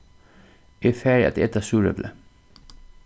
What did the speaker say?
eg fari at eta súreplið